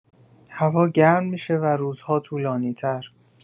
هوا گرم می‌شه و روزها طولانی‌تر.